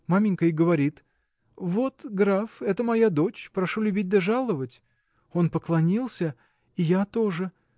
маменька и говорит: Вот, граф, это моя дочь прошу любить да жаловать. Он поклонился, и я тоже.